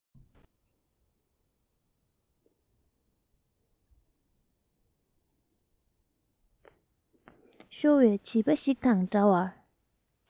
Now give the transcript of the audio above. ཤོར བའི བྱིས པ ཞིག དང འདྲ བར